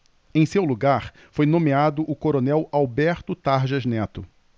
em seu lugar foi nomeado o coronel alberto tarjas neto